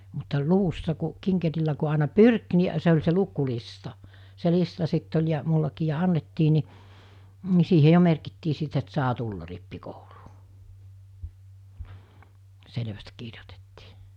mutta luvussa kun kinkerillä kun aina pyrki niin se oli se lukulista se lista sitten oli ja minullakin ja annettiin niin niin siihen jo merkittiin sitten että saa tulla rippikouluun selvästi kirjoitettiin